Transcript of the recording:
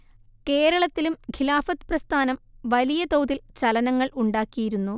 കേരളത്തിലും ഖിലാഫത്ത് പ്രസ്ഥാനം വലിയ തോതിൽ ചലനങ്ങൾ ഉണ്ടാക്കിയിരുന്നു